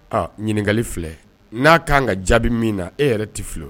Ɔ ɲininkakali filɛ n'a' kan ka jaabi min na e yɛrɛ tɛ fili o ma.